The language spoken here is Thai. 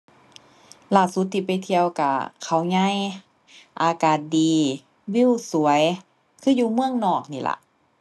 ล่าสุดที่ไปเที่ยวก็เขาใหญ่ อากาศดี วิวสวย คืออยู่เมืองนอกนี่ล่ะ